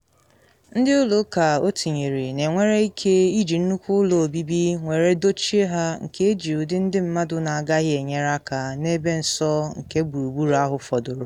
Ndị ụlọ ụka, o tinyere, na enwere ike iji nnukwu ụlọ obibi nwere dochie ha, nke eji ụdị ndị mmadụ na agaghị enyere aka n’ebe nsọ nke gburugburu ahụ fọdụrụ.